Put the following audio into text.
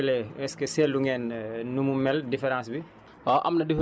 su ngeen ko méngalee est ce que seetlu ngeen nu mu mel différence bi